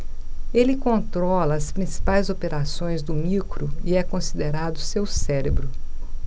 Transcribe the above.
ele controla as principais operações do micro e é considerado seu cérebro